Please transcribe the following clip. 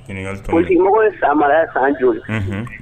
Ɲininkali tɔ. Politigimɔgɔw ye San mara yan san joli?